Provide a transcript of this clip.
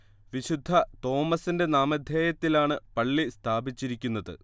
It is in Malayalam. വിശുദ്ധ തോമസിന്റെ നാമധേയത്തിലാണ് പള്ളി സ്ഥാപിച്ചിരിക്കുന്നത്